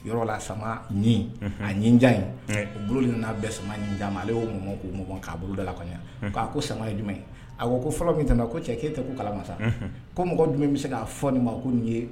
Yɔrɔla sama ni a ɲin , unhun, a ɲin jan in , uo bolo nana bɛn sama ɲn ma, ale y'o mɔmɔn k'a bolo d'a la k'a ɲan ko sama ye jumɛn ye a ko ko fɔlɔ min tɛmɛ, ko cɛ e tɛ ko kalama sa! Ko mɔgɔ jumɛn bɛ se k'a fɔ nin ma ko nin ye